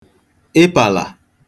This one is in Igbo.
ịpàlà